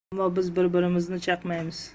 ammo biz bir birimizni chaqmaymiz